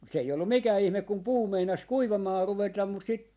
mutta se ei ollut mikään ihme kun puu meinasi kuivamaan ruveta mutta sitten